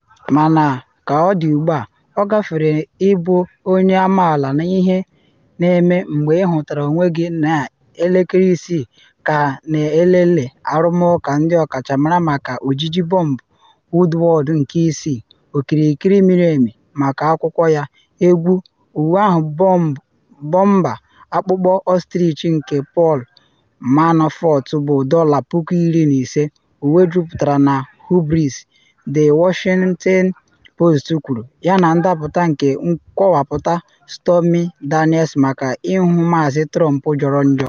Mana ka ọ dị ugbua, ọ gafere ịbụ onye amaala ma ihe na eme mgbe ị hụtara onwe gị n’elekere isii kaị na-elele arụmụka ndị ọkachamara maka ojiji Bob Woodward nke isi “okirikiri miri emi” maka akwụkwọ ya “Egwu,” uwe ahụ bọmba akpụkpụ ostrich nke Paul Manafort bụ dọla puku iri na ise (“uwe juputara na hubris,” The Washington Post kwuru) yana ndapụta nke nkọwapụta Stormy Daniels maka ihu Maazị Trump jọrọ njọ.